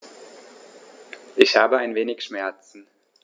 Ich habe ein wenig Schmerzen.